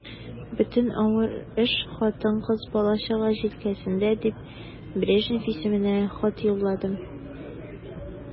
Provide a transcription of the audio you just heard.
Бөтен авыр эш хатын-кыз, бала-чага җилкәсендә дип, Брежнев исеменә хат юлладым.